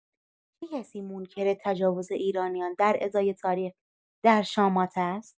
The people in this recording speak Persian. چه کسی منکر تجاوز ایرانیان در درازای تاریخ، در شامات است؟